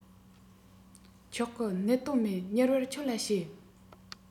ཆོག གི གནད དོན མེད མྱུར བར ཁྱོད ལ བཤད